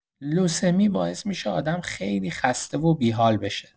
لوسمی باعث می‌شه آدم خیلی خسته و بی‌حال بشه.